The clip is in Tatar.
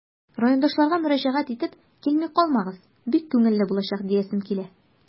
Райондашларга мөрәҗәгать итеп, килми калмагыз, бик күңелле булачак диясем килә.